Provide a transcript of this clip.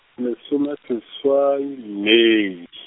lesomeseswai Mei .